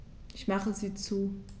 Ich mache sie zu.